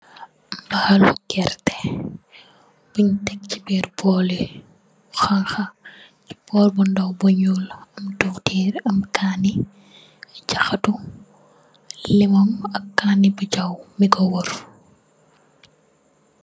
Mbahal gerteh, bun tek ci biir bool li hanha. bool bu ndaw bu ñuul la, am dewtir, am kaneh, chahatu, limom ak kanè kachaw lu ko wurr.